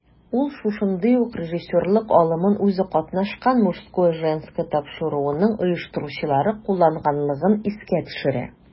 Ул шушындый ук режиссерлык алымын үзе катнашкан "Мужское/Женское" тапшыруының оештыручылары кулланганлыгын искә төшерә.